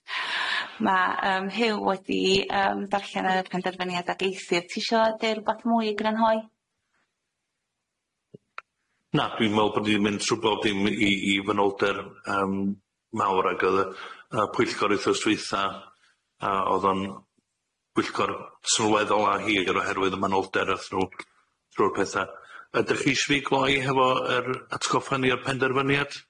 Ma' yym Huw wedi yym darllen y penderfyniad ag eithir ti isio yy deud rwbath mwy i grynhoi? Na dwi'n me'wl bod 'i mynd trw bob dim i i i fanylder yym mawr ag o'dd y y pwyllgor wythnos dwytha yy o'dd o'n pwyllgor sylweddol a hir oherwydd y mynolder ath trw'r petha yy 'dych chi isio fi gloi hefo yr atgoffa ni o'r penderfyniad?